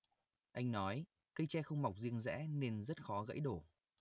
anh nói cây tre không mọc riêng rẽ nên rất khó gãy đổ